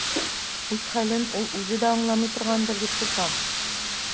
Үз хәлен ул үзе дә аңламый торгандыр дип куркам.